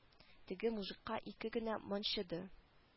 Теге мужикка ике генә манчыды